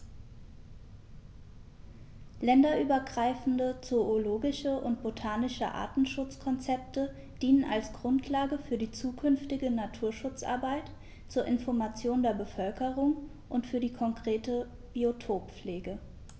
Länderübergreifende zoologische und botanische Artenschutzkonzepte dienen als Grundlage für die zukünftige Naturschutzarbeit, zur Information der Bevölkerung und für die konkrete Biotoppflege.